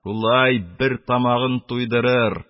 Шулай бер тамагын туйдырыр